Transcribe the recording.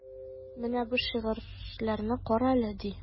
Менә бу шигырьләрне карале, ди.